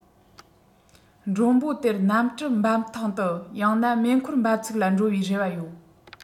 མགྲོན པོ དེར གནམ གྲུ འབབ ཐང དུ ཡང ན མེ འཁོར འབབ ཚུགས ལ འགྲོ བའི རེ བ ཡོད